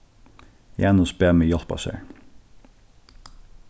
janus bað meg hjálpa sær